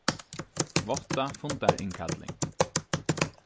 vátta fundarinnkalling